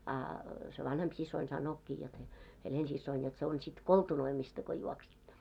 a se vanhempi siskoni sanookin jotta se Helena-siskoni jotta se on sitten koltunoimista kun juoksitte